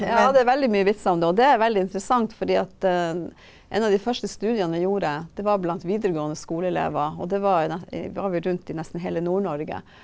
ja det er veldig mye vitser om det, og det er veldig interessant fordi at en av de første studiene vi gjorde det var blant videregående skoleelever og det var jo i var vi rundt i nesten heile Nord-Norge.